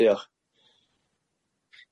Diolch.